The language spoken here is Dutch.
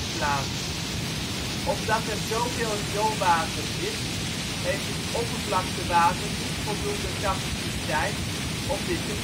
plaats. Omdat er zoveel rioolwater is, heeft het oppervlaktewater niet voldoende capaciteit om dit te verwerken